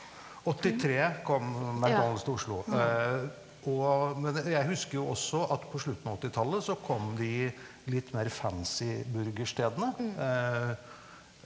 83 kom McDonalds til Oslo og men jeg husker jo også at på slutten av åttitallet så kom de litt mer fancy burgerstedene .